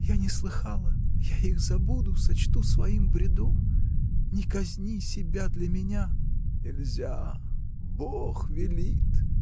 Я не слыхала, я их забуду, сочту своим бредом. не казни себя для меня! — Нельзя: Бог велит!